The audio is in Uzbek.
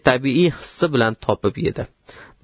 tabiiy hissi bilan topib yedi